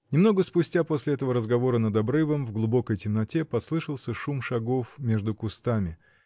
Немного спустя после этого разговора, над обрывом, в глубокой темноте, послышался шум шагов между кустами.